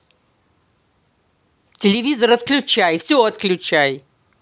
телевизор отключай все отключай